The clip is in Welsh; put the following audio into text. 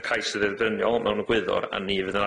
Ma' cais yn ddebyniol mewn egwyddor a ni fydd yn